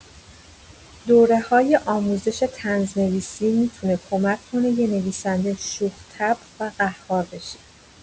دوره‌های آموزش طنزنویسی می‌تونه کمک کنه یه نویسنده شوخ‌طبع و قهار بشی.